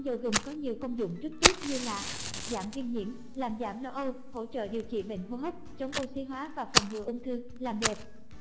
tinh dầu gừng có nhiều công dụng rất tốt như là giảm viêm nhiễm làm giảm lo âu hỗ trợ điều trị bệnh hô hấp chống oxy hoá và phòng ngừa ung thư làm đẹp